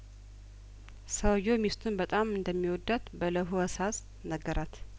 ሰውዬው ሚስቱን በጣም እንደሚወዳት በለሆሳ ስነገራት